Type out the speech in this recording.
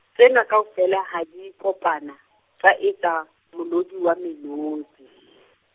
tsena kaofela ha di kopana, tsa etsa molodi wa melodi .